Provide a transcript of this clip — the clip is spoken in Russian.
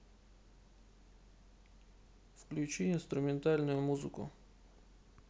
включи инструментальную музыку